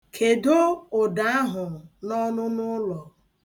Kedo ụdọ ahụ n'ọnụnụụlọ.